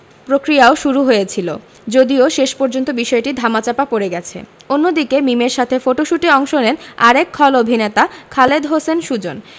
প্রক্রিয়াও শুরু হয়েছিল যদিও শেষ পর্যন্ত বিষয়টি ধামাচাপা পড়ে গেছে অন্যদিকে মিমের সাথে ফটশুটে অংশ নেন আরেক খল অভিনেতা খালেদ হোসেন সুজন